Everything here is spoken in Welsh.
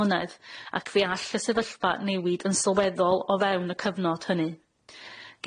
mlynedd ac fe all y sefyllfa newid yn sylweddol o fewn y cyfnod hynny.